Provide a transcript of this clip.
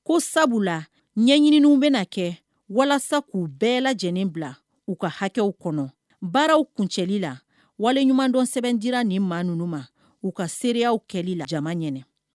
Ko sabu la ɲɛɲiniw bɛna kɛ walasa k'u bɛɛ lajɛlen bila u ka hakɛw kɔnɔ baaraw kuncɛli la wali ɲumandon sɛbɛn dira nin maa ninnu ma u ka seerew kɛ la jama ɲɛna